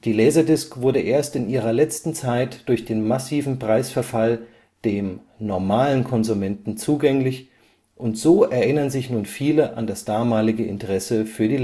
Laserdisc wurde erst in ihrer letzten Zeit durch den massiven Preisverfall dem „ normalen Konsumenten “zugänglich und so erinnern sich nun viele an das damalige Interesse für die LD